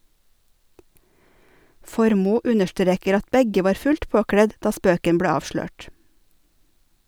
Formoe understreker at begge var fullt påkledd da spøken ble avslørt.